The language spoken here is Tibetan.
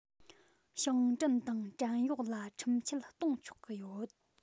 ཞིང བྲན དང བྲན གཡོག ལ ཁྲིམས ཆད གཏོང ཆོག གི ཡོད